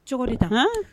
Cogo dan